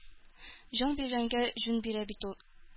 Җан биргәнгә җүн бирә бит ул.